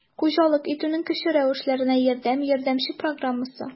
«хуҗалык итүнең кече рәвешләренә ярдәм» ярдәмче программасы